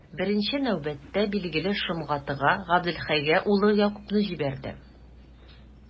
Беренче нәүбәттә, билгеле, Шомгатыга, Габделхәйгә улы Якубны җибәрде.